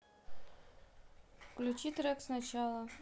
включи трек сначала